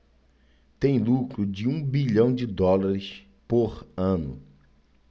tem lucro de um bilhão de dólares por ano